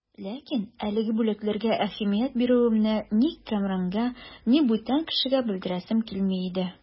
Ләкин әлеге бүләкләргә әһәмият бирүемне ни Кәмранга, ни бүтән кешегә белдерәсем килми иде.